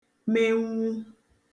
menwu